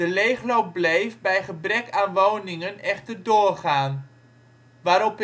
leegloop bleef bij gebrek aan woningen echter doorgaan, waarop